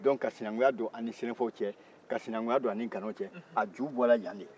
dɔnku ka sinankuya don an ni sɛnɛfɔw cɛ ka sinankuya don an ni ganaw cɛ a ju bɔra an de